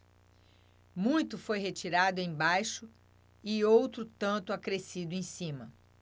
muito foi retirado embaixo e outro tanto acrescido em cima